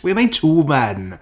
where am I to man